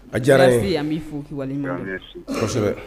A diyara